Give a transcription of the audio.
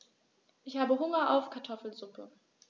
Ich habe Hunger auf Kartoffelsuppe.